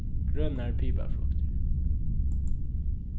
grønar piparfruktir